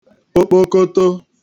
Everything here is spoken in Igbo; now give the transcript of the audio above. okpokoto